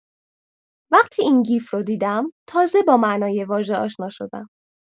وقتی این گیف رو دیدم تازه با معنای واژه آشنا شدم.